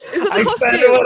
Is it the costume?